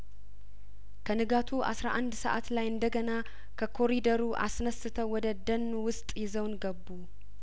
ከንጋቱ አስራ አንድ ሰአት ላይ እንደገና ከኮሪደሩ አስነስተው ወደ ደኑ ውስጥ ይዘውን ገቡ